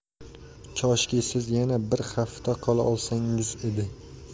koshki siz yana bir hafta qolaolsangiz edi